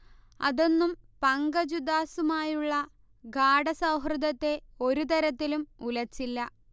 അതൊന്നും പങ്കജ് ഉദാസുമായുള്ള ഗാഢ സൗഹൃദത്തെ ഒരു തരത്തിലും ഉലച്ചില്ല